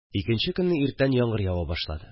Икенче көнне иртән яңгыр ява башлады